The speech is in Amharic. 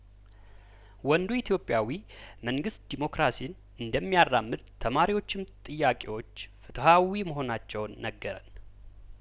ወንዱ ኢትዮጵያዊ መንግስት ዲሞክራሲን እንደሚያራምድ ተማሪዎችም ጥያቄዎች ፍትሀዊ መሆናቸውን ነገረን